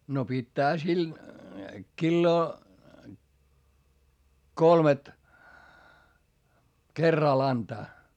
no pitäähän sillä kiloa kolmet kerralla antaa